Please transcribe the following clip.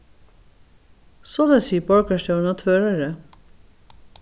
soleiðis sigur borgarstjórin á tvøroyri